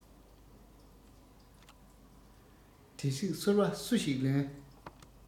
དེ བསྲེགས སོལ བ སུ ཞིག ལེན